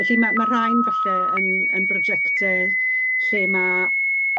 Felly ma' ma' rhai'n falle yn yn brojecte lle ma'